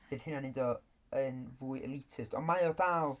Bydd hynna'n 'neud o yn fwy elitist. Ond mae o dal...